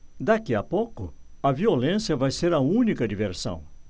daqui a pouco a violência vai ser a única diversão